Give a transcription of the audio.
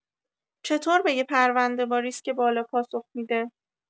چطور به یه پرونده با ریسک بالا پاسخ می‌ده؟